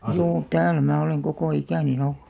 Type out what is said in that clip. juu täällä minä olen koko ikäni ollut